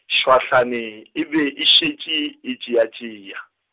swahlane e be e šetše e tšeatšea.